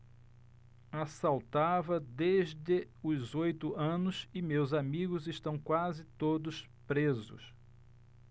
assaltava desde os oito anos e meus amigos estão quase todos presos